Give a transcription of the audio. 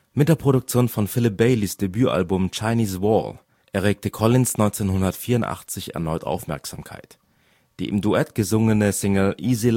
Mit der Produktion von Philip Baileys Debütalbum Chinese Wall erregte Collins 1984 erneut Aufmerksamkeit. Die im Duett gesungene Single Easy